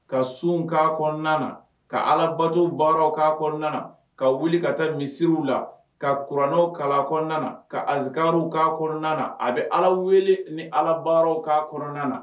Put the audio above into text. Ka sun' kɔnɔna ka alabatow baaraw ka kɔnɔna ka wuli ka taa misiw la ka kuranɛw kala kɔnɔnaan ka azkaruw ka kɔnɔnaan a bɛ ala wele ni alabaaw'a kɔnɔna na